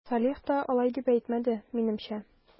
Салих та алай дип әйтмәде, минемчә...